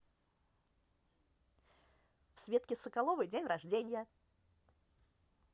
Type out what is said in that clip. в светке соколовой день рождения